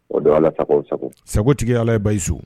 O don Ala sago i sago, sago tigi ye Ala ye Bayusu